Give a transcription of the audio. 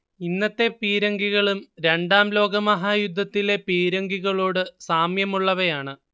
ഇന്നത്തെ പീരങ്കികളും രണ്ടാം ലോകമഹായുദ്ധത്തിലെ പീരങ്കികളോട് സാമ്യമുള്ളവയാണ്